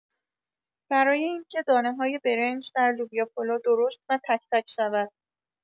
برای اینکه دانه‌های برنج در لوبیا پلو درشت و تک‌تک شود.